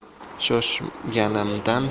shoshganimdan suratimni berkitishga